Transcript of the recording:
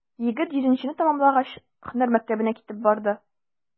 Егет, җиденчене тәмамлагач, һөнәр мәктәбенә китеп барды.